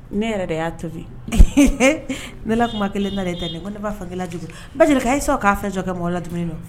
Ne yɛrɛ de y'a tobi ne la kuma kelen na de tɛ ne ko ne b'a fangakelen baa k' sɔn k'a fɛn jɔ kɛ mɔgɔ la jumɛn